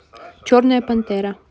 черная пантера